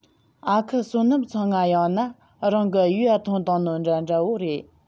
ཨ ཁུ བསོད ནམས ཚང ང ཡོང ང ཡོང ན རང གི ཡུའུ ཐོན བཏང ནི འདྲ འདྲ བོ རེད